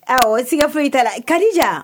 Ɛ siga foyi i taara kadija